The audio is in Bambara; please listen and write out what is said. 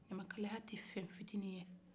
ɲamakalaya tɛ fɛn fitinin ye